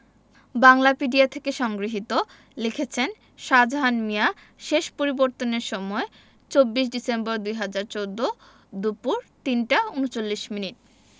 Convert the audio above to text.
বাংলাপিডিয়া থেকে সংগৃহীত লিখেছেনঃ সাজাহান মিয়া শেষ পরিবর্তনের সময় ২৪ ডিসেম্বর ২০১৪ দুপুর ৩টা ৩৯মিনিট